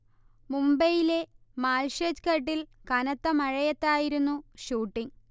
മുംബൈയിലെ മാൽഷജ് ഘട്ടിൽ കനത്ത മഴത്തായിരുന്നു ഷൂട്ടിങ്ങ്